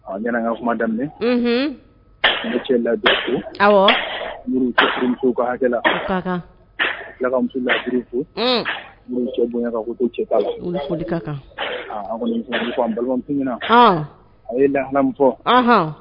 A nana kuma daminɛ cɛ ladi fo kakamuso la fo cɛ bonyayan kan cɛ' balima a ye lahaanami fɔ